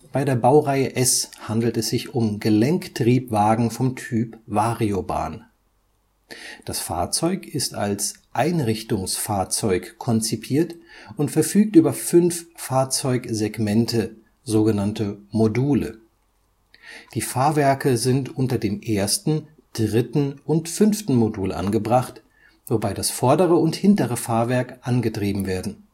Bei der Baureihe S handelt es sich um Gelenktriebwagen vom Typ Variobahn. Das Fahrzeug ist als Einrichtungsfahrzeug konzipiert und verfügt über fünf Fahrzeugsegmente, sogenannte Module. Die Fahrwerke sind unter dem ersten, dritten und fünften Modul angebracht, wobei das vordere und hintere Fahrwerk angetrieben werden